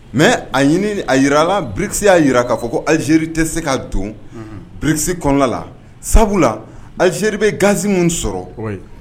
Mɛ a ɲini a jira a bi y'a jira ka fɔ ko azeri tɛ se ka don bikisi kɔnɔnala sabu la azeri bɛ gasi minnu sɔrɔ